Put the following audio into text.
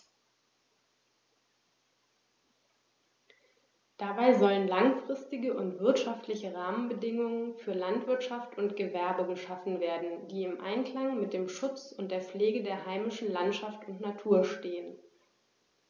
Dabei sollen langfristige und wirtschaftliche Rahmenbedingungen für Landwirtschaft und Gewerbe geschaffen werden, die im Einklang mit dem Schutz und der Pflege der heimischen Landschaft und Natur stehen.